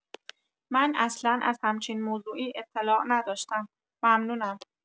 من اصلا از همچین موضوعی‌اطلاع نداشتم، ممنونم